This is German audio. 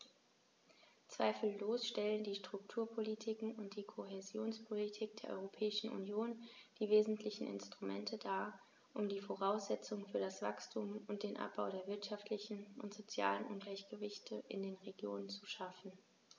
Zweifellos stellen die Strukturpolitiken und die Kohäsionspolitik der Europäischen Union die wesentlichen Instrumente dar, um die Voraussetzungen für das Wachstum und den Abbau der wirtschaftlichen und sozialen Ungleichgewichte in den Regionen zu schaffen.